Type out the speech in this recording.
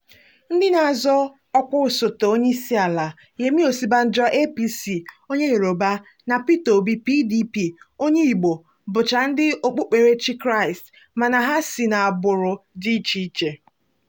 Ndị na-azọ ọkwa osote onyeisiala - Yemi Osibanjo (APC), onye Yoruba, na Peter Obi (PDP), onye Igbo, bụcha Ndị okpukperechi Kraịst - mana ha si n'agbụrụ dị icheiche.